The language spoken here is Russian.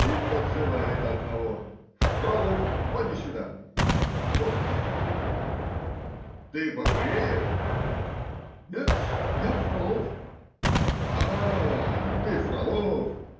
и подзывает одного: — Фролов, поди сюда! Тот подходит. — Ты Багреев? — Нет-с, я Фролов. — А-а: ты Фролов?!